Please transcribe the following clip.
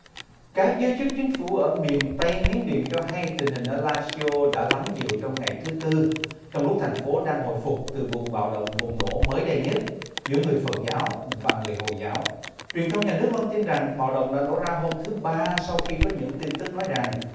các giới chức chính phủ ở miền tây miến điện cho hay tình hình ở la si ô đã lắng dịu trong ngày thứ tư trong lúc thành phố đang hồi phục từ vụ bạo động bùng nổ mới đây nhất giữa người phật giáo và người hồi giáo truyền thông nhà nước loan tin rằng bạo động đã nổ ra hôm thứ ba sau khi có những tin tức nói rằng